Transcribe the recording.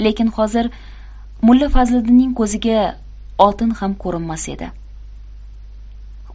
lekin hozir mulla fazliddinning ko'ziga oltin ham ko'rinmas edi